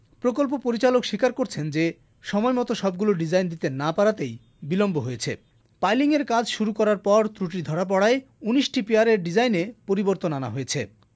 প্রকল্প পরিচালক স্বীকার করছেন যে সময়মতো সবগুলো ডিজাইন দিতে না পারাতেই বিলম্ব হয়েছে পাইলিং এর কাজ শুরু করার পর ত্রুটি ধরা পড়ায় ১৯ টি পিয়ারের ডিজাইন এ পরিবর্তন আনা হয়েছে